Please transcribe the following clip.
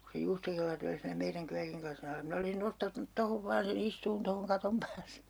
kun se juustokellari oli siinä meidän kyökin lasin alla minä olisin nostanut tuohon vain sen istumaan tuohon katon päälle se